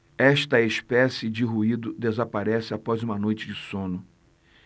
esta espécie de ruído desaparece após uma noite de sono